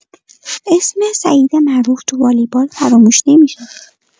اسم سعید معروف تو والیبال فراموش نمی‌شه.